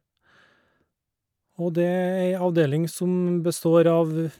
Og det er ei avdeling som består av...